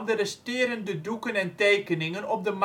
resterende doeken en tekeningen op de